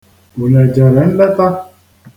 Unu e jere nleta?